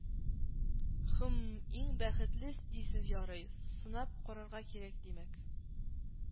Хммм Иң бәхетле дисез Ярый, сынап карарга кирәк, димәк